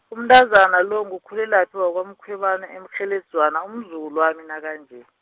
umntazanyana lo, nguKhulelaphi ngewakwaMkhwebani eMkgheledzwana, umzukulwanami nakanje.